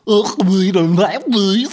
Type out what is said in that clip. Oh, we don't have these.